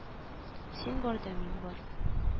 Син бар да мин бар